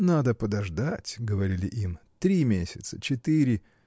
“Надо подождать”, — говорили им три месяца, четыре.